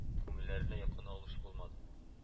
Куңелләренә якын алучы булмады